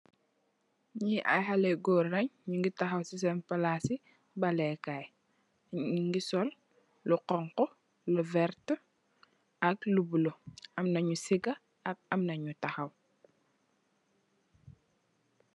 Nye aye haleh yu goor len nuge tahaw se sen plase ballakaye nuge sol lu xonxo lu verte ak lu bulo amna nu sega ak amna nu tahaw.